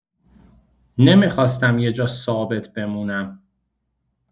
نمی‌خواستم یه جا ثابت بمونم.